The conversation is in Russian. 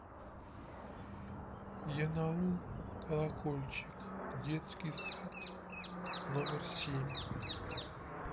янаул колокольчик детский сад номер семь